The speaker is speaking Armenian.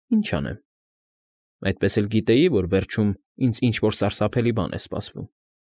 Ի՞նչ անեմ… Այդպես էլ գիտեի, որ վերջում ինձ ինչ֊որ սարսափելի բան է սպասվում։